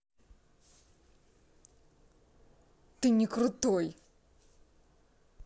ты не крутой